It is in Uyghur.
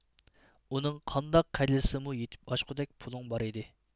ئۇنىڭ قانداق خەجلىسىمۇ يېتىپ ئاشقۇدەك پۇلۇڭ بار ئىدى